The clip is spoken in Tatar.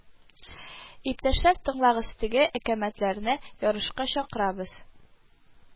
Иптәшләр, тыңлагыз, теге әкәмәтләрне ярышка чакырабыз